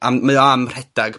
...am, mae o am rhedag